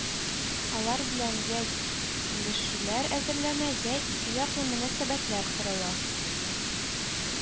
Алар белән йә килешүләр әзерләнә, йә икеяклы мөнәсәбәтләр корыла